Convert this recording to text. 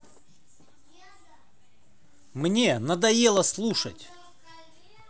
мне надоело слушать